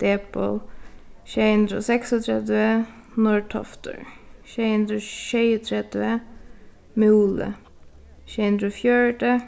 depil sjey hundrað og seksogtretivu norðtoftir sjey hundrað og sjeyogtretivu múli sjey hundrað og fjøruti